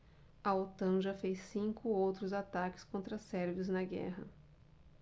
a otan já fez cinco outros ataques contra sérvios na guerra